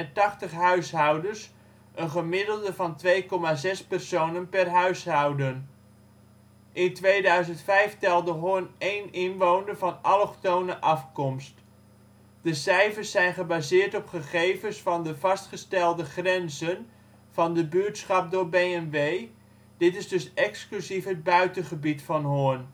tachtig huishoudens; een gemiddelde van 2,6 personen per huishouden. In 2005 telde Hoorn 1 inwoner van allochtone afkomst. De cijfers zijn gebaseerd op gegevens van de vastgestelde grenzen van de buurtschap door B&W; dit is dus exclusief het buitengebied van Hoorn